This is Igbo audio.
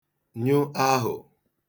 nyụ ahụ̀